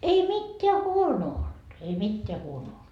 ei mitään huonoa ollut ei mitään huonoa ollut